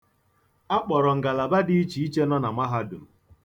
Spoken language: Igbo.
A kpọrọ ngalaba dị iche iche nọ na mahadum.